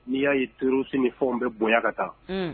N'i y'a ye turusi ni fɔ n bɛ bonya ka taa